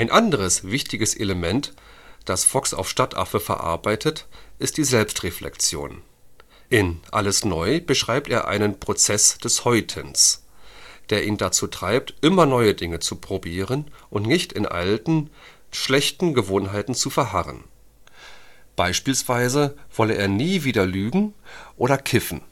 anderes wichtiges Element, das Fox auf Stadtaffe verarbeitet, ist die Selbstreflexion. In Alles neu beschreibt er einen „ Prozess des Häutens “, der ihn dazu treibe, immer neue Dinge zu probieren und nicht in alten, schlechten Gewohnheiten zu verharren. Beispielsweise wolle er nie wieder lügen oder kiffen